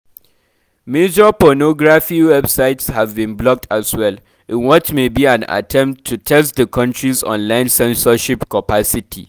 Major pornography websites have been blocked as well, in what may be an attempt to test the country’s online censorship capacity.